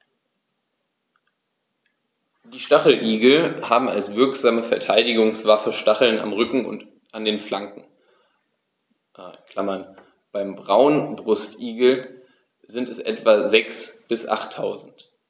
Die Stacheligel haben als wirksame Verteidigungswaffe Stacheln am Rücken und an den Flanken (beim Braunbrustigel sind es etwa sechs- bis achttausend).